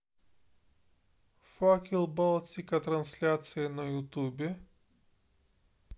факел балтика трансляция на ютубе